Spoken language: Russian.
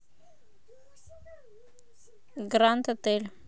гранд отель